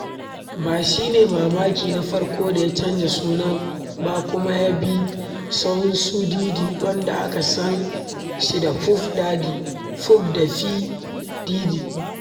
Ba shi ne mawaƙi na farko da ya canza sunansa ba kuma ya bi sahun su Diddy, wanda aka san shi da Puff Daddy, Puffy da P Diddy.